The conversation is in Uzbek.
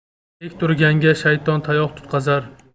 tek turganga shayton tayoq tutqazar